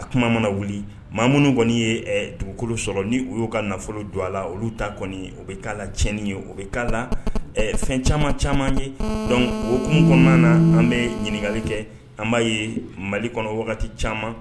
A kuma mana wuli maa minnu kɔni ye ɛɛ dugukolo sɔrɔ ni u y'o ka nafolo do a la olu ta kɔni o be k'a la tiɲɛni ye o be k'a la ɛɛ fɛn caman-caman ɲe donc o hokumu kɔnɔna na an bee ɲininkali kɛ an b'a ye Mali kɔnɔ wagati caman